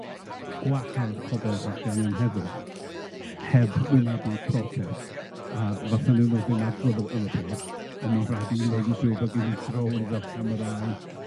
gwahardd pobol rhag ganu am heddwch heb wynebu protest, a falle newn nw ddim adrodd am y am y peth, on' ma' rhaid i ni neud yn siŵr bo' gen ni drones a camerâu